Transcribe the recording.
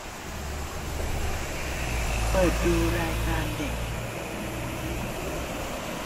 เปิดดูรายการเด็ก